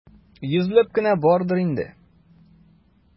Йөзләп кенә бардыр инде.